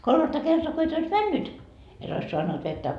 kolmatta kertaa kun et olisi mennyt et olisi saanut vettä